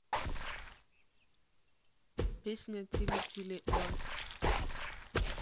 песня тили тили ба